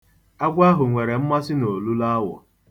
Agwọ ahụ nwere mmasi n'olulo awọ.